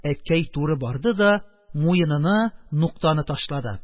Әткәй туры барды да муенына нуктаны ташлады,